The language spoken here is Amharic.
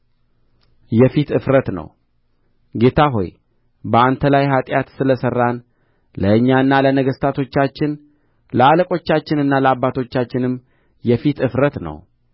የፊት እፍረት ነው ጌታ ሆይ በአንተ ላይ ኃጢአት ስለ ሠራን ለእኛና ለነገሥታቶቻችን ለአለቆቻችንና ለአባቶቻችንም የፊት እፍረት ነው